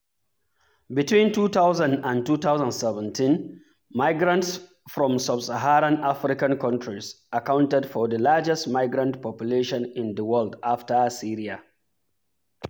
Between 2010-2017, migrants from sub-Saharan African countries accounted for the largest migrant population in the world after Syria.